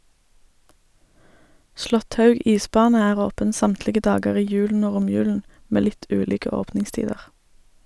Slåtthaug isbane er åpen samtlige dager i julen og romjulen med litt ulike åpningstider.